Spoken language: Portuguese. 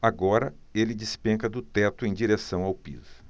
agora ele despenca do teto em direção ao piso